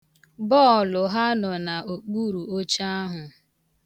Bọọlụ ha nọ n'okpuru oche ahụ.